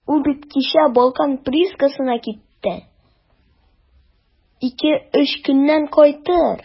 Ул бит кичә «Балкан» приискасына китте, ике-өч көннән кайтыр.